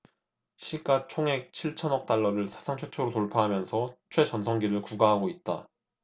시가 총액 칠 천억 달러를 사상 최초로 돌파하면서 최전성기를 구가하고 있다